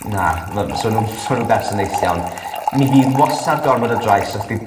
na ma'... So nw'n so nw'n berson neis iawn. Mi fydd wastad gormod o drais os bydd